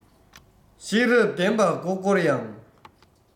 ཤེས རབ ལྡན པ མགོ བསྐོར ཡང